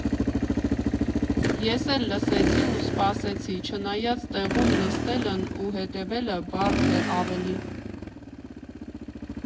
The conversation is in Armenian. Ես էլ լսեցի ու սպասեցի, չնայած տեղում նստելն ու հետևելը բարդ է ավելի։